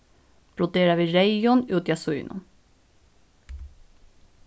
brodera við reyðum úti á síðunum